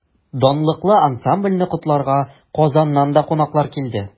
Данлыклы ансамбльне котларга Казаннан да кунаклар килде.